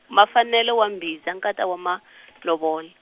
Mafanele wa Mbhiza nkata wa Malovola.